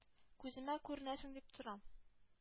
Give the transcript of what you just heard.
Күземә күренәсең, дип торам.